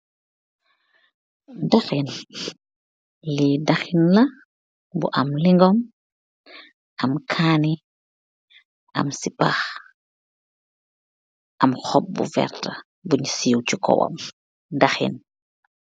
Daheen, li daheen la bu am limon, amm kaneh am cepaa, am hopbuu verr bung chiwu ce gaw wamg.